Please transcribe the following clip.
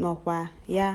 nọkwa ya.